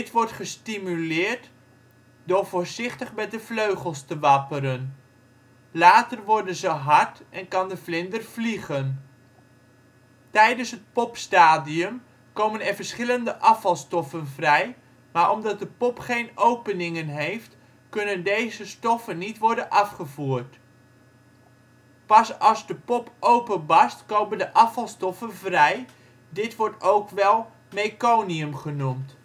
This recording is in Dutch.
wordt gestimuleerd door voorzichtig met de vleugels te wapperen. Later worden ze hard en kan de vlinder vliegen. Tijdens het popstadium komen er verschillende afvalstoffen vrij, maar omdat de pop geen openingen heeft, kunnen deze stoffen niet worden afgevoerd. Pas als de pop openbarst komen de afvalstoffen vrij, dit wordt ook wel meconium genoemd